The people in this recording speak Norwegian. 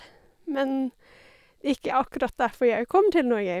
Men ikke akkurat derfor jeg kom til Norge.